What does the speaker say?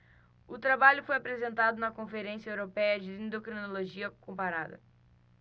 o trabalho foi apresentado na conferência européia de endocrinologia comparada